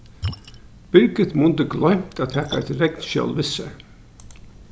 birgit mundi gloymt at taka eitt regnskjól við sær